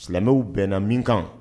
Silamɛw bɛna min kan